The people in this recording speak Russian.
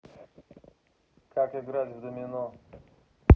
как играть в домино